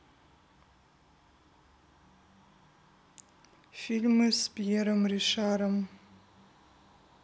фильмы с пьером ришаром